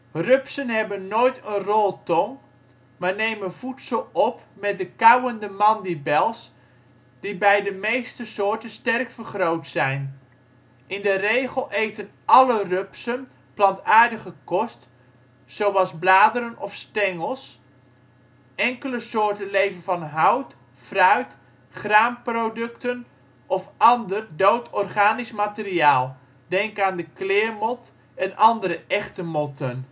Rupsen hebben nooit een roltong maar nemen voedsel op met de kauwende mandibels die bij de meeste soorten sterk vergroot zijn. In de regel eten alle rupsen plantaardige kost zoals bladeren of stengels, enkele soorten leven van hout, fruit, graanproducten of ander (dood) organisch materiaal, denk aan de kleermot en andere echte motten